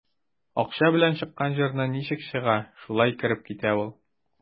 Акча белән чыккан җырчы ничек чыга, шулай кереп китә ул.